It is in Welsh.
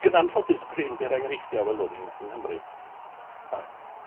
Ac yn anffodus, prin 'di'r enghreifftia' welwn ni'n yng Nghymru, yy